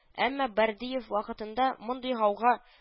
Әмма бәрдыев вакытында мондый гауга